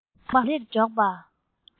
རྐང པ ག ལེར འཇོག པ